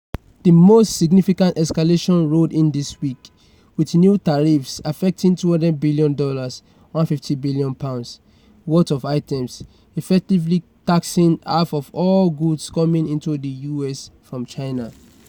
The most significant escalation rolled in this week with new tariffs affecting $200 billion (£150 billion) worth of items, effectively taxing half of all goods coming into the US from China.